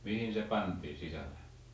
mihin se pantiin sisällä